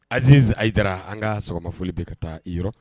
Az aja an ka sɔgɔmafolooli bɛ ka taa i yɔrɔ